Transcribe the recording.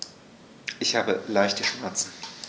Ich habe leichte Schmerzen.